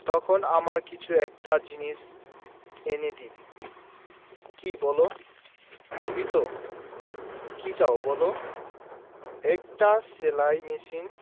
তখন আমার কিছু একটা জিনিস এনে দিবি কি বলো দিবি তো কি চাও বলো একটা সেলাই মেশিন